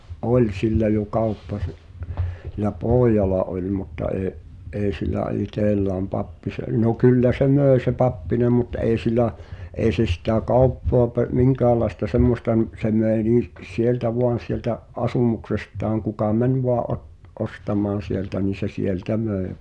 - oli sillä jo kauppa - sillä pojalla oli mutta ei ei sillä itsellään - no kyllä se myi se Pappinen mutta ei sillä ei se sitä kauppaa - minkäänlaista semmoista - se myi niin sieltä vain sieltä asumuksestaan kuka meni vain - ostamaan sieltä niin se sieltä myi vain